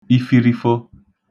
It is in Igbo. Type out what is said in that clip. ifirifo